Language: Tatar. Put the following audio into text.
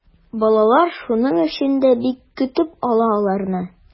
Балалар шуның өчен дә бик көтеп ала аларны.